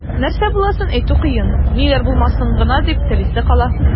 Нәрсә буласын әйтү кыен, ниләр булмасын гына дип телисе кала.